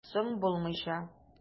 Соң, булмыйча!